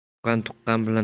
tuqqan tuqqan bilan